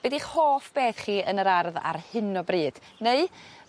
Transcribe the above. be' 'di'ch hoff beth chi yn yr ardd ar hyn o bryd neu